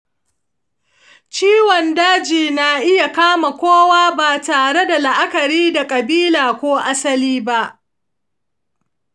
ciwon daji na iya kama kowa ba tareda la'akari da kabila ko asali ba.